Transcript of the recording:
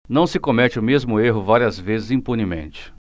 não se comete o mesmo erro várias vezes impunemente